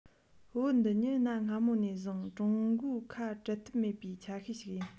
བོད འདི ཉིད གནའ སྔ མོ ནས བཟུང ཀྲུང གོའི ཁ འབྲལ ཐབས མེད པའི ཆ ཤས ཤིག ཡིན